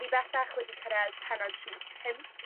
Ni bellach wedi cyrredd pennod rhif pump